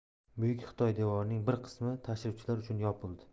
buyuk xitoy devorining bir qismi tashrifchilar uchun yopildi